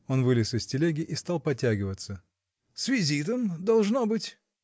Он вылез из телеги и стал потягиваться. — С визитом, должно быть?